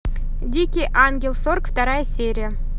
дикий ангел сорок вторая серия